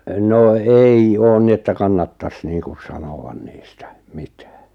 no ei ole niin että kannattaisi niin kuin sanoa niistä mitään